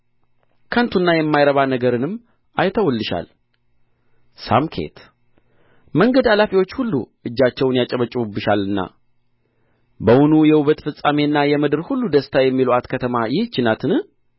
ከንቱና የማይረባ ነገርንም አይተውልሻል ሳምኬት መንገድ አላፊዎች ሁሉ እጃቸውን ያጨበጭቡብሻልና በውኑ የውበት ፍጻሜና የምድር ሁሉ ደስታ የሚሉአት ከተማ ይህች ናትን